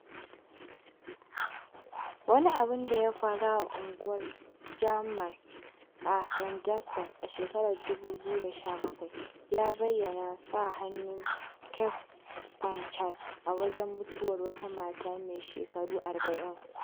Wani abu da ya faru a unguwar Ajmer a Rajasthan a shekarar 2017 ya bayyana sa hannun caste panchayats a wajen mutuwar wata mata mai shekaru 40.